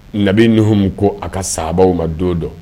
Nabimu ko a ka sa ma don dɔ